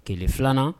Tile filanan